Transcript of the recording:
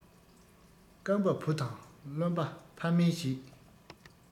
སྐམ པ བུ དང རློན པ ཕ མས བྱེད